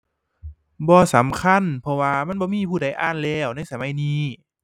บ่สำคัญ เพราะว่ามันบ่มีผู้ใดอ่านแล้วในสมัยนี้